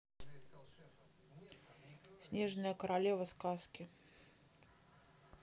снежная королева сказки